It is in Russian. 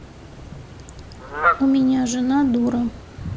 у меня жена дура